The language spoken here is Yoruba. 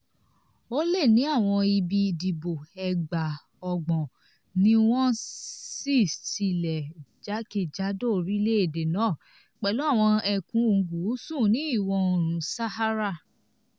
Ó lé ní àwọn ibi ìdìbò 30,000 ni wọ́n ṣí sílẹ̀ jákèjádò orílẹ̀-èdè náà pẹ̀lú àwọn ẹkùn gúúsù ní Ìwọ̀-oòrùn Sahara.